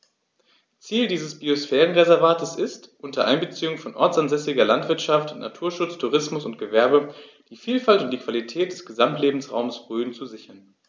Ziel dieses Biosphärenreservates ist, unter Einbeziehung von ortsansässiger Landwirtschaft, Naturschutz, Tourismus und Gewerbe die Vielfalt und die Qualität des Gesamtlebensraumes Rhön zu sichern.